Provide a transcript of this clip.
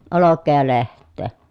olkea ja lehteä